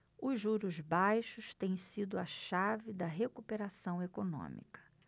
os juros baixos têm sido a chave da recuperação econômica